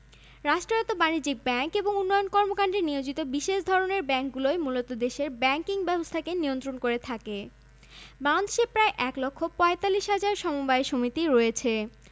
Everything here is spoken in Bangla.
শিল্পঃ পাট চা টেক্সটাইল তৈরি পোশাক কাগজ সার চামড়া ও চামড়াজাত পণ্য সিমেন্ট চিনি মাছ প্রক্রিয়াজাতকরণ ঔষধ ও রাসায়নিক দ্রব্য ইত্যাদি